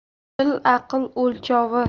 til aql o'lchovi